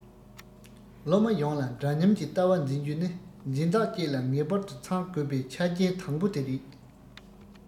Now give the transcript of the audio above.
སློབ མ ཡོངས ལ འདྲ མཉམ གྱི ལྟ བ འཛིན རྒྱུ ནི འཛིན བདག ཅིག ལ ངེས པར དུ ཚང དགོས པའི ཆ རྐྱེན དང པོ དེ རེད